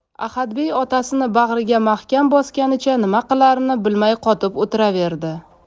ahadbey otasini bag'riga mahkam bosganicha nima qilarini bilmay qotib o'tiraverdi